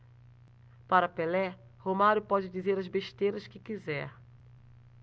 para pelé romário pode dizer as besteiras que quiser